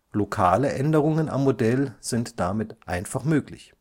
Lokale Änderungen am Modell sind damit einfach möglich